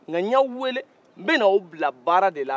nka n y'aw weele n bɛ n'aw bila baara de la